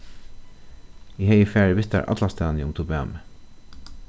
eg hevði farið við tær allastaðni um tú bað meg